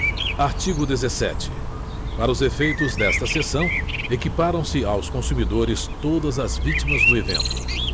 artigo dezesete para os efeitos desta seção equiparam se aos consumidores todas as vítimas do evento